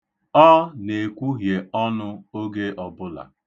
Ọ na-ekwuhie ọnụ oge ọbụla.